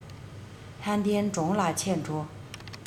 ལྷ ལྡན གྲོང ལ ཆས འགྲོ